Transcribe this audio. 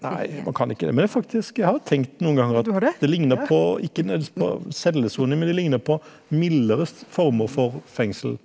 nei man kan ikke det, men det er faktisk jeg har tenkt noen ganger at det ligner på ikke nødvendigvis på cellesoning men det ligner på mildere former for fengsel.